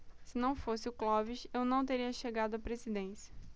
se não fosse o clóvis eu não teria chegado à presidência